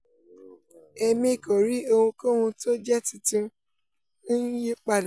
Emi kò rí ohunkóhun tójẹ́ tuntun ńyípadà.''